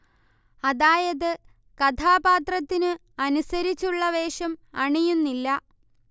അതായത് കഥാപാത്രത്തിനു അനുസരിച്ചുള്ള വേഷം അണിയുന്നില്ല